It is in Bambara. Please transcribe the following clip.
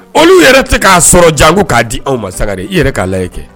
Olu yɛrɛ tɛ k'a sɔrɔ jago k'a di aw ma sagari i yɛrɛ k'a la kɛ